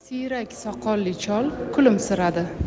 siyrak soqolli chol kulimsiradi